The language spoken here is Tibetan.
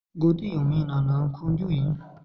སྒོ གཏད ཡང མིན ན ནི འཁོར འཇོག ཡིན